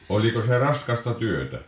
oliko se raskasta työtä